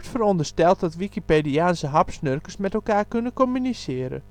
verondersteld dat Wikipediaanse hapsnurkers met elkaar kunnen communiceren